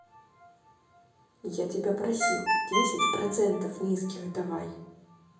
я тебя просил десять процентов низких давай